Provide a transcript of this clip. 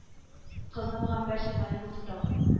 Кызым гамбәр сиңа ни булды тагын